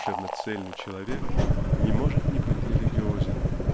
душевно-цельный человек не может не быть религиозен